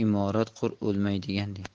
imorat qur o'lmaydigandek